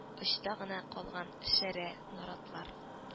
Очта гына калган шәрә наратлар